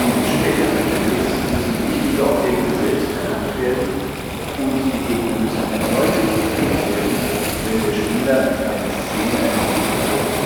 den späteren Levels müssen wichtige Objekte selbst erkannt werden und die Gegner müssen erneut bekämpft werden, wenn der Spieler eine Szene erneut betritt